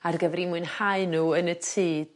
ar gyfr 'u mwynhau n'w yn y tŷ